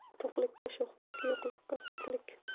to'qlikka sho'xlik yo'qlikka suqlik